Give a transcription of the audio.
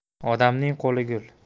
odamning qo'li gul